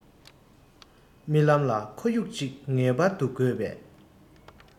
རྨི ལམ ལ ཁོར ཡུག ཅིག ངེས པར དུ དགོས པས